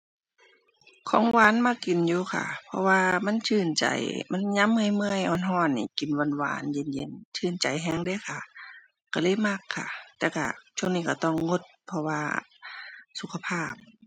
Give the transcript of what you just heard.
ของหวานมักกินอยู่ค่ะ เพราะว่ามันชื่นใจ มัน ยามเมื่อยเมื่อยร้อนร้อนหนิ กินหวานหวาน เย็นเย็น ชื่นใจร้อนเดะค่ะ ร้อนเลยมักค่ะ แต่ร้อนช่วงนี้ร้อนต้องงด เพราะว่าสุขภาพ